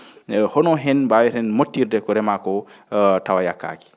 eyyi honoo hen mbaaweren mobtirde ko remaa koo tawa yakkaaki